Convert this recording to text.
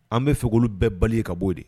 An bɛ fɛkolo bɛɛ bali ye ka bɔo de